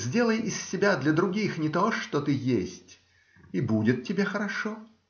Сделай из себя для других не то, что ты есть, и будет тебе хорошо".